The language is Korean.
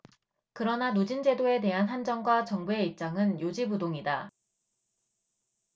그러나 누진제도에 대한 한전과 정부의 입장은 요지부동이다